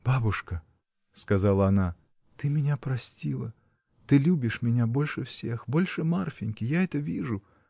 — Бабушка, — сказала она, — ты меня простила, ты любишь меня больше всех, больше Марфиньки — я это вижу!